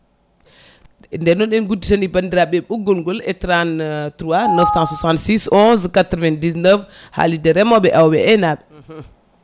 nden noon en gudditani bandiraɓe ɓoggol ngol e 33 966 11 99 haalirde remoɓe awoɓe e aynaɓe